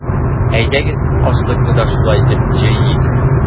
Әйдәгез, ашлыкны да шулай итеп җыйыйк!